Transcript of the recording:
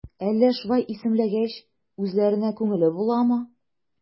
Әллә шулай исемләгәч, үзләренә күңелле буламы?